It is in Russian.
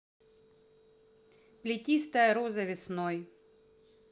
плетистая роза весной